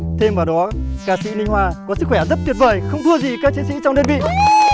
thêm vào đó ca sĩ linh hoa có sức khỏe rất tuyệt vời không thua gì các chiến sĩ trong đơn vị